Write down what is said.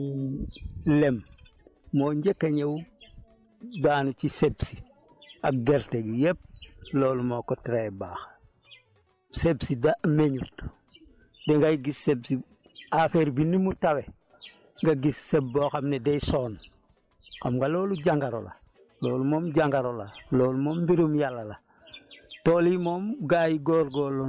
feebar baa ngi njëkkee lu mel ni lem moo njëkk a ñëw daanu ci sëb si ak gerte gi yëpp loolu moo ko teree baax sëb si daa meññ dangay gis sëb si affaire bi ni mu tawee nga gis sëb boo xam ne day sonn xam nga loolu jangoro la loolu moom jangoro la loolu moom mbirum yàlla la